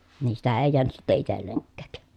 niin sitä ei jäänyt sitten itsellekään